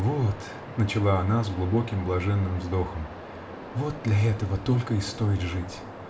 -- Вот, -- начала она с глубоким, блаженным вздохом, -- вот для этого только и стоит жить.